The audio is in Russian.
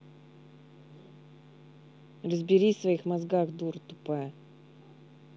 разберись в своих мозгах дура тупая